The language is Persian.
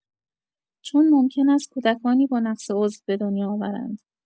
چون ممکن است کودکانی با نقض عضو به دنیا آورند.